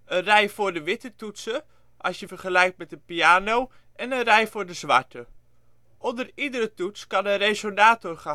rij voor de witte toetsen, als je vergelijkt met de piano, en een rij voor de zwarte. Onder iedere toets kan een resonator